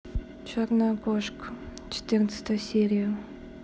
черная кошка четырнадцатая серия